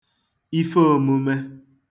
ife ōmūmē